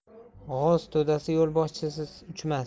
g'oz to'dasi yo'lboshchisiz uchmas